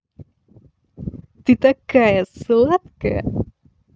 ты такая сладкая